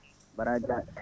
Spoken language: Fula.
Baara Dia